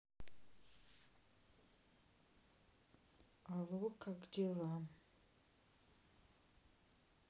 алло как дела